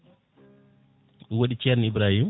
ɗum waɗi ceerno Ibrahima